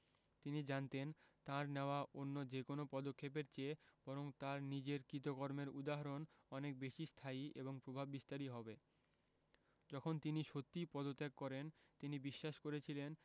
তিনি জানতেন তাঁর নেওয়া অন্য যেকোনো পদক্ষেপের চেয়ে বরং তাঁর নিজের কৃতকর্মের উদাহরণ অনেক বেশি স্থায়ী এবং প্রভাববিস্তারী হবে যখন তিনি সত্যিই পদত্যাগ করেন তিনি বিশ্বাস করেছিলেন